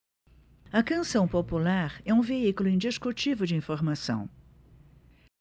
a canção popular é um veículo indiscutível de informação